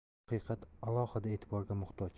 bu haqiqat alohida e'tiborga muhtoj